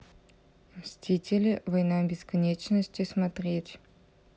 мстители война бесконечности смотреть